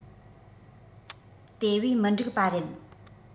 དེ བས མི འགྲིག པ རེད